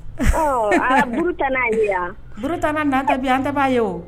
Uru ta natabi an tɛbaa ye